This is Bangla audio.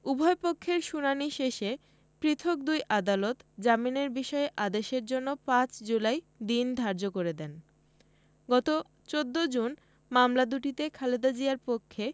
উভয়পক্ষের শুনানি শেষে পৃথক দুই আদালত জামিনের বিষয়ে আদেশের জন্য ৫ জুলাই দিন ধার্য করে দেন গত ১৪ জুন মামলা দুটিতে খালেদা জিয়ার পক্ষে